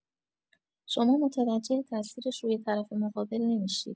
شما متوجه تاثیرش روی طرف مقابل نمی‌شید.